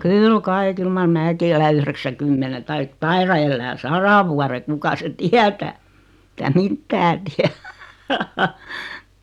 kyllä kai kyllä mar minäkin elän yhdeksänkymmenen tai taidan elää sadan vuoden kuka sen tietää sitä mitään tiedä